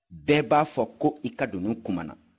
bɛɛ b'a fɔ ko i ka dunun kumana